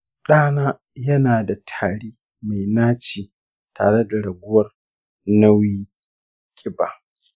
ɗana yana da tari mai naci tare da raguwar nauyi/ƙiba.